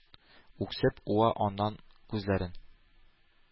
Үксеп уа аннан күзләрен.